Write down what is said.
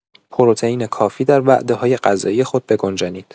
پروتئین کافی در وعده‌های غذایی خود بگنجانید.